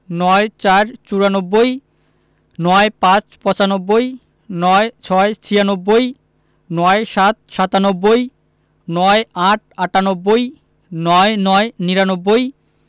৯৪ – চুরানব্বই ৯৫ - পচানব্বই ৯৬ - ছিয়ানব্বই ৯৭ – সাতানব্বই ৯৮ - আটানব্বই ৯৯ - নিরানব্বই